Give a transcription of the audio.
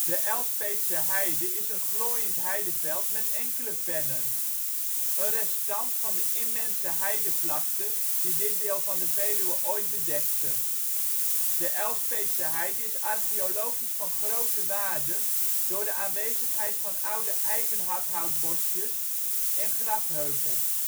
Elspeetse Heide is een glooiend heideveld met enkele vennen. Een restant van de immense heidevlakte die dit deel van de Veluwe ooit bedekte. De Elspeetse Heide is archeologisch van grote waarde, door de aanwezigheid van oude eikenhakhoutbosjes en grafheuvels